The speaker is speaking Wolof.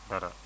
dara